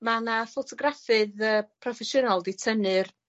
ma' 'na ffotograffydd yy proffesiynol 'di tynnu'r